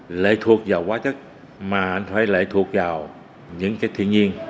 lệ thuộc vào hóa chất mà anh phải lệ thuộc vào những cái thiên nhiên